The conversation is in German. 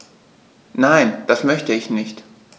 Nein, das möchte ich nicht.